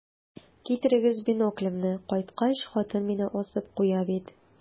Китерегез биноклемне, кайткач, хатын мине асып куя бит.